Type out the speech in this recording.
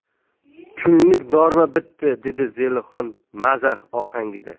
kunlik norma bitdi dedi zelixon mazax ohangida